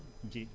ji